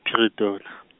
Phiritona.